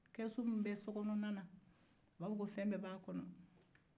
kɛsu min bɛ so kɔnɔna na a b'a fɔ ko fɛn bɛɛ b'a kɔnɔ